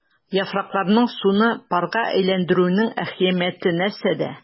Яфракларның суны парга әйләндерүнең әһәмияте нәрсәдә?